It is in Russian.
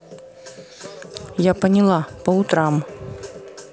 я поняла по утрам